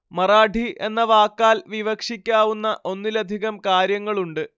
മറാഠി എന്ന വാക്കാൽ വിവക്ഷിക്കാവുന്ന ഒന്നിലധികം കാര്യങ്ങളുണ്ട്